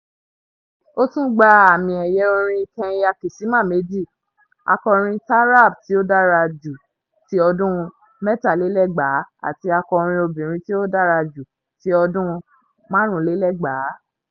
Ó tún gba Àmì-ẹ̀yẹ Orin Kenya Kisima méjì: Akọrin Taraab tí ó Dára jú ti ọdún 2003 àti Akọrin Obìnrin tí ó Dára jú ti ọdún 2005.